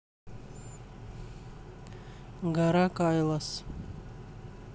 гора кайлас